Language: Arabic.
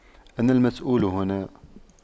أنا المسؤول هنا